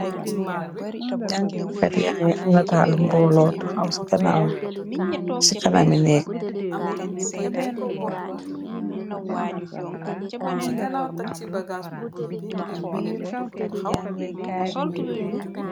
Janga kat ya ngi am nittali mbolo taxaw ci kanami nèk.